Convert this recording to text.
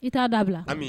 I t'a dabila